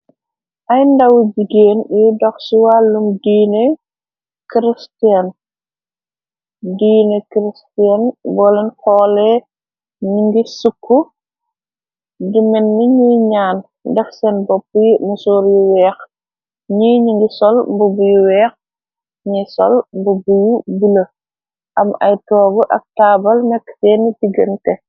Ay ndawu jigéen yuy dox ci wàllum diine cristan diine cristian booleen xoole ni ngi sukk dimen ni ñuy ñaan dex seen bopp mësoor yu weex ñiy ñi ngi sol mbu buyu weex ñiy sol mbu buyu bule am ay toogu ak taabal nekk seeni digante.